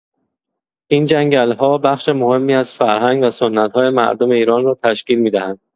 این جنگل‌ها بخش مهمی از فرهنگ و سنت‌های مردم ایران را تشکیل می‌دهند.